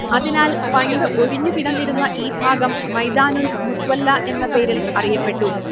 അതിനാൽ പണ്ടു ഒഴിഞ്ഞുകിടന്നിരുന്ന ഈ ഭാഗം മൈദാനുൽ മുസ്വല്ല എന്ന പേരിൽ അറിയപ്പെട്ടു